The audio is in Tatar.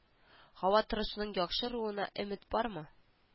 Һава торышының яхшы руына өмет бармы